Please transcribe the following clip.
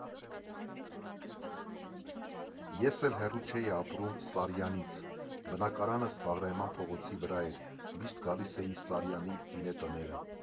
Ես էլ հեռու չէի ապրում Սարյանից, բնակարանս Բաղրամյան փողոցի վրա էր, միշտ գալիս էի Սարյանի գինետները։